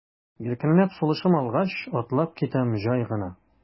Иркенләп сулышым алгач, атлап китәм җай гына.